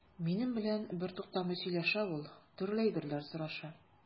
Минем белән бертуктамый сөйләшә ул, төрле әйберләр сораша.